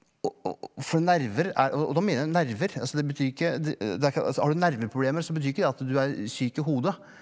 og og for nerver er og og da mener jeg nerver altså det betyr ikke det det er ikke så har du nerveproblemer så betyr ikke det at du er syk i hodet.